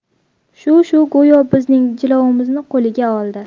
shu shu go'yo bizning jilovimizni qo'liga oldi